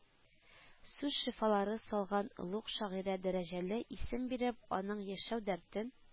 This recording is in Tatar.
Сүз шифалары салган олуг шагыйрьгә дәрәҗәле исем биреп, аның яшәү дәртен